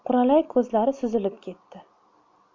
quralay ko'zlari suzilib ketdi